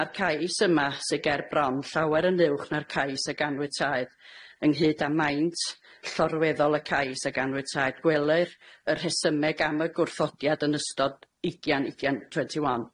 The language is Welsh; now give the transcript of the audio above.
Ma'r cais yma sy ger bron llawer yn uwch na'r cais a ganwytaed. Ynghyd â maint llorweddol y cais a ganwytaed, gwelir y rhesymeg am y gwrthodiad yn ystod ugian ugian twenty one.